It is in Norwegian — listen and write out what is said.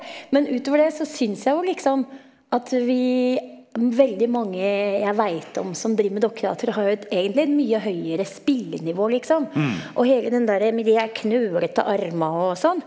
men utover det så synes jeg jo liksom at vi veldig mange jeg veit om som driver med dokketeater har jo et egentlig et mye høyere spillenivå liksom, og hele den derre med de her klønete armene og sånn.